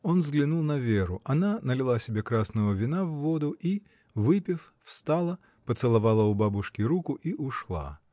Он взглянул на Веру: она налила себе красного вина в воду и, выпив, встала, поцеловала у бабушки руку и ушла.